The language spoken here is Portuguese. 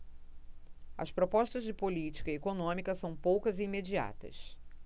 as propostas de política econômica são poucas e imediatas